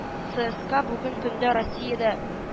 ЦээСКА бүгенге көндә Россиядә